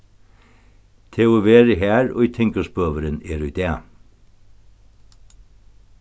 tað hevur verið har ið tinghúsbøurin er í dag